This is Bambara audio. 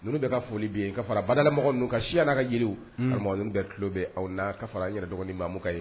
Ninnu bɛ ka foli bɛ yen ka fara badalamɔgɔ ninnu ka Siya na ka jeliw ninnu bɛɛ kulo bɛ anw na ka fara an yɛrɛ dɔgɔnin Mamu